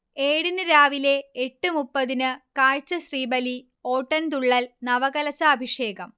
ഏഴിന് രാവിലെ എട്ട് മുപ്പതിന് കാഴ്ചശ്രീബലി, ഓട്ടൻതുള്ളൽ, നവകലശാഭിഷേകം